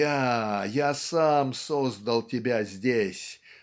Я, я сам создал тебя здесь.